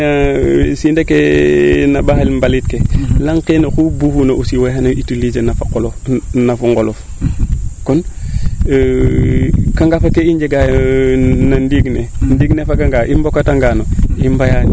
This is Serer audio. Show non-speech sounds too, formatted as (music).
siinda ke siinda ke na mbaxel mbalit ke laŋ keene oxu bufuuna aussi waxey utiliser an no qolof na fa ŋolof kon (hesitation) kangafa ke i njega yo no ndiing ne nding ne faganga i mbokata ngaano i mbara